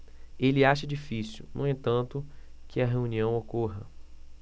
ele acha difícil no entanto que a reunião ocorra